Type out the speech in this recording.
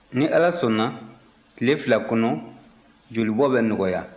ni ala sɔnna tile fila kɔnɔ jolibɔ bɛ nɔgɔya